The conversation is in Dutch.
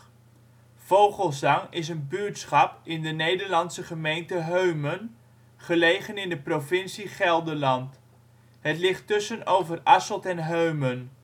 Vogelzang is een buurtschap in de Nederlandse gemeente Heumen, gelegen in de provincie Gelderland. Het ligt tussen Overasselt en Heumen